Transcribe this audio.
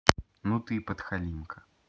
ну ты и подхалимка